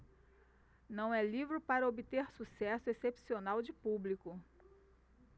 não é livro para obter sucesso excepcional de público